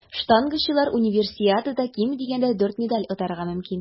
Штангачылар Универсиадада ким дигәндә дүрт медаль отарга мөмкин.